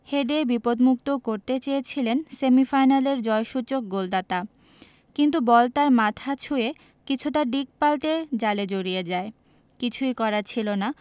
হেডে বিপদমুক্ত করতে চেয়েছিলেন সেমিফাইনালের জয়সূচক গোলদাতা কিন্তু বল তার মাথা ছুঁয়ে কিছুটা দিক পাল্টে জালে জড়িয়ে যায় কিছুই করার ছিল না